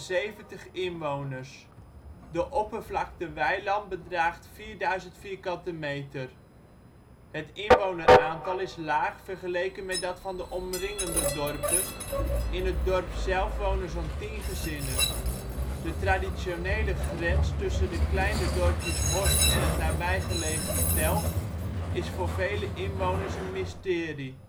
570 inwoners. De oppervlakte weiland bedraagt 4000 m². Het inwoneraantal is laag vergeleken met dat van de omringende dorpen. In het dorp zelf wonen zo 'n 10 gezinnen. De traditionele grens tussen de kleine dorpjes Horst en het nabijgelegen Telgt is voor vele inwoners een mysterie